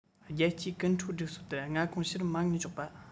རྒྱལ སྤྱིའི ཀུན འཕྲོད སྒྲིག སྲོལ ལྟར མངའ ཁོངས ཕྱིར མ དངུལ འཇོག པ